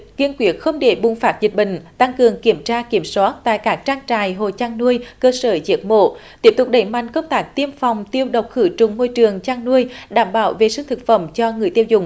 kiên quyết không để bùng phát dịch bệnh tăng cường kiểm tra kiểm soát tại các trang trại hộ chăn nuôi cơ sở giết mổ tiếp tục đẩy mạnh công tác tiêm phòng tiêu độc khử trùng môi trường chăn nuôi đảm bảo vệ sinh thực phẩm cho người tiêu dùng